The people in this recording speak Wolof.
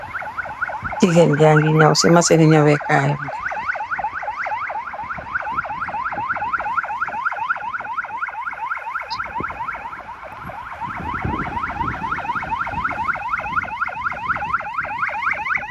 Jigeen jagi nyaw si masini nyawekayambe.